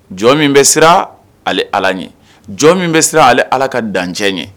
Jɔ min bɛ siran ale ala ɲɛ jɔ min bɛ siran ale ala ka dancɛ ye